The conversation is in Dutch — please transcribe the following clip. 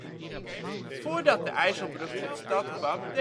Voordat de IJsselbrug tot stand kwam